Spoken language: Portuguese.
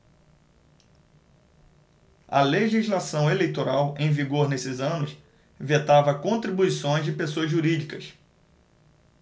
a legislação eleitoral em vigor nesses anos vetava contribuições de pessoas jurídicas